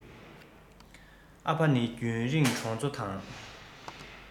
ཨ ཕ ནི རྒྱུན རང གྲོང ཚོ དང